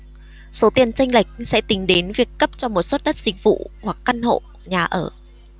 số tiền chênh lệch sẽ tính đến việc cấp cho một suất đất dịch vụ hoặc căn hộ nhà ở